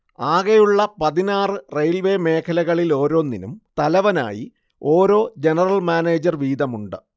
ആകെയുള്ള പതിനാറു റെയിൽവേ മേഖലകളിലോരോന്നിനും തലവനായി ഓരോ ജനറൽ മാനേജർ വീതമുണ്ട്